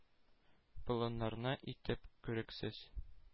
Болыннарны итте күрексез.